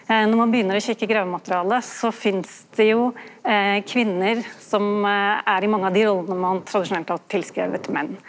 når ein byrjar å kikka i gravmaterialet så finst det jo kvinner som er i mange av dei rollene ein tradisjonelt har tilskrive menn.